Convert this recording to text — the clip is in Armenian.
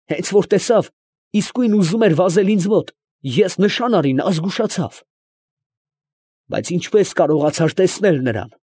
Հենց որ տեսավ, իսկույն ուզում էր վազել ինձ մոտ, ես նշան արեցի, նա զգուշացավ։ ֊ Ինչպե՞ս կարողացար տեսնել նրան։